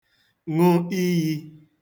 nụ̀ iyī